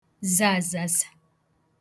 za azaza